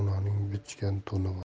onaning bichgan to'ni bor